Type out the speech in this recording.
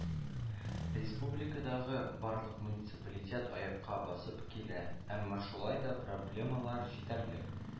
Республикадагы барлык муниципалитет аякка басып килә, әмма шулай да проблемалар җитәрлек